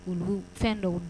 Oluugu fɛn dɔw